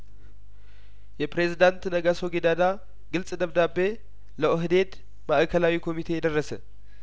የፕሬዝዳንት ነጋሶ ጊዳዳ ግልጽ ደብዳቤ ለኦህዴድ ማእከላዊ ኮሚቴ ደረሰ